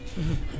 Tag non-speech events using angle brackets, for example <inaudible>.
<hesitation> <hesitation>